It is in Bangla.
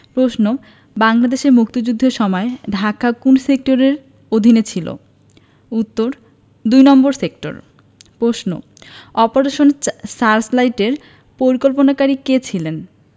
প্রশ্ন বাংলাদেশের মুক্তিযুদ্ধের সময় ঢাকা কোন সেক্টরের অধীনে ছিলো উত্তর দুই নম্বর সেক্টর প্রশ্ন অপারেশন সার্চলাইটের পরিকল্পনাকারী কে ছিল